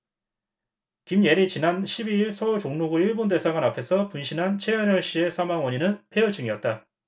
김예리 지난 십 이 일 서울 종로구 일본대사관 앞에서 분신한 최현열씨의 사망 원인은 패혈증이었다